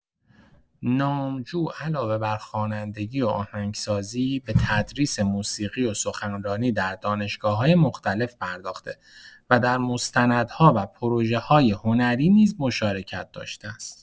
نامجو علاوه بر خوانندگی و آهنگسازی، به تدریس موسیقی و سخنرانی در دانشگاه‌‌های مختلف پرداخته و در مستندها و پروژه‌های هنری نیز مشارکت داشته است.